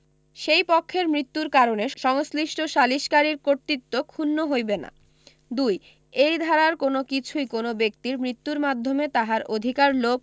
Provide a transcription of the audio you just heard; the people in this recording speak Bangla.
সেই পক্ষের মুত্যুর কারণে সংশ্লিষ্ট সালিসকারীর কর্তৃত্ব ক্ষুন্ন হইবে না ২ এই ধারার কোন কিছুই কোন ব্যক্তির মৃত্যুর মাধ্যমে তাহার অধিকার লোপ